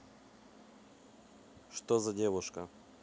что за девушка